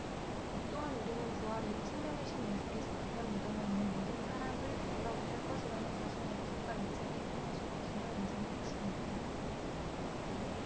또한 우리는 부활이요 생명이신 예수께서 기념 무덤에 있는 모든 사람을 되돌아오게 할 것이라는 자신의 약속과 일치하게 행동하실 것임을 온전히 확신합니다